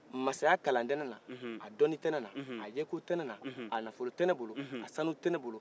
masaya kalan tɛ ne na a dɔni tɛ ne na a yeko tɛ ne na a nafolo tɛ ne bolo a sanu tɛ ne bolo